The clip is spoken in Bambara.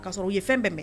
O'a sɔrɔ o ye fɛn bɛnbɛn